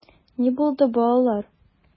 Ни булды, балалар?